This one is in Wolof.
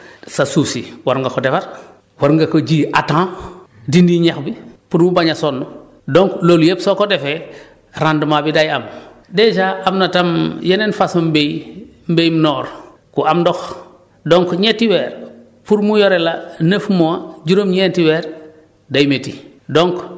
donc sa suuf si war nga ko defar war nga ko ji à temps dindi ñax bi pour mu bañ a sonn donc loolu yëpp soo ko defee rendement bi day am dèjà am na tam yeneen façon mbéy mbéyum noor ku am ndox donc ñetti weer pour mu yore la neuf mois juróom-ñeeti weer day métti